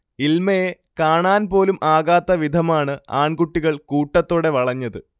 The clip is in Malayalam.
ഇൽമയെ കാണാൻപോലും ആകാത്ത വിധമാണ് ആൺകുട്ടികൾ കൂട്ടത്തോടെ വളഞ്ഞത്